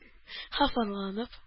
Хафаланып